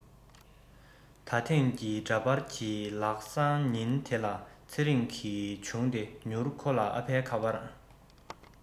ད ཐེངས ཀྱི འདྲ པར གྱི ལག སང ཉིན དེ ལ ཚེ རིང གི བྱང དེ མྱུར ཁོ ལ ཨ ཕའི ཁ པར